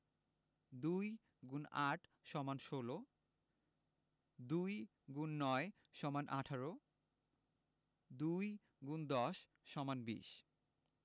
২ X ৮ = ১৬ ২ X ৯ = ১৮ ২ ×১০ = ২০